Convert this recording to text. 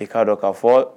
I k'a dɔ ka fɔɔ